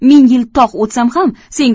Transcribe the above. ming yil toq o'tsam ham senga